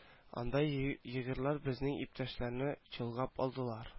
Анда егерьләр безнең иптәшләрне чолгап алдылар